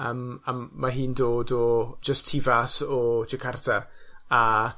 A m- a ma' hi'n dod o jyst tu fas o Jakarta a